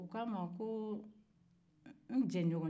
o ko a ko n jɛɲɔgɔ